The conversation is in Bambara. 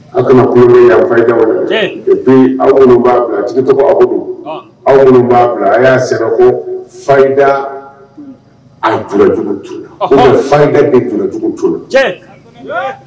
Aw kana tulonkɛ yan fayidaw et puis aw minnu b'a aw minnu b'a bila tickok abonnès a y'a sɛbɛn